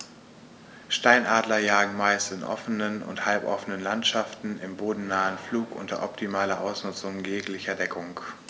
Steinadler jagen meist in offenen oder halboffenen Landschaften im bodennahen Flug unter optimaler Ausnutzung jeglicher Deckung.